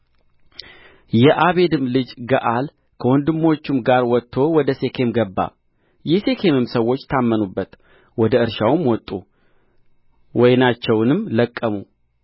የአቤድም ልጅ ገዓል ከወንድሞቹ ጋር መጥቶ ወደ ሴኬም ገባ የሴኬምም ሰዎች ታመኑበት ወደ እርሻውም ወጡ ወይናቸውንም ለቀሙ